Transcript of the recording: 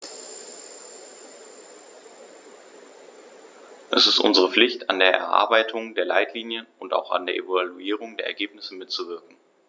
Es ist unsere Pflicht, an der Erarbeitung der Leitlinien und auch an der Evaluierung der Ergebnisse mitzuwirken.